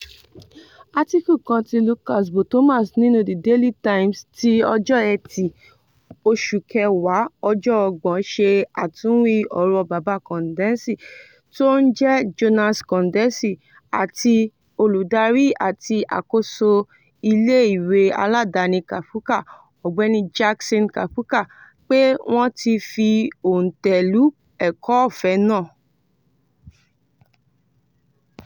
Átíkù kan tí Lucas Bottoman nínu The Daily Times ti Friday October 30th ṣe àtúnwí ọ̀rọ̀ bàba Kondesi, tó ń jẹ́ Jonas Kondesi, àti Olùdarí àti àkóso Iléèwé aládání Kaphuka, Ọ̀gbéni Jackson Kaphuka, pé wọ́n ti fi oǹtẹ̀ lu ẹ̀kọ́ ọ̀fẹ́ nàá.